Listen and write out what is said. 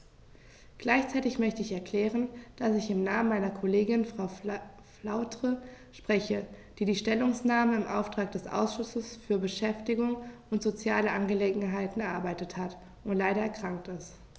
Gleichzeitig möchte ich erklären, dass ich im Namen meiner Kollegin Frau Flautre spreche, die die Stellungnahme im Auftrag des Ausschusses für Beschäftigung und soziale Angelegenheiten erarbeitet hat und leider erkrankt ist.